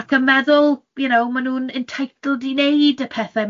Ac yn meddwl, you know, maen nhw'n entitled i wneud y pethau